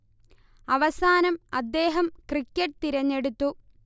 അവസാനം അദ്ദേഹം ക്രിക്കറ്റ് തിരെഞ്ഞെടുത്തു